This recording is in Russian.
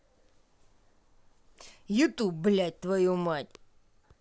youtube блядь твою мать